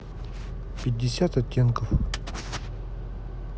пятьдесят оттенков